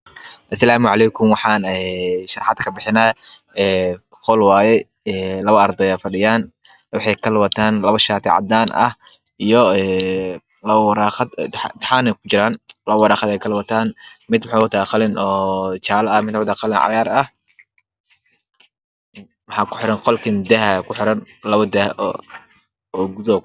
Asalaaymu calaykum een waxaan sharaxaad ka bixinayaa qol labo ardey fadhiyaan waxay kala wataan labo shaati cadaan ah iyo labo waraaqad oo imtixaan ku jiraan laba waraqad kale wataa mid wuxu wata qalin jaale midna qalin cagaar ah waxaa qolka ku xiran daah labo daah oo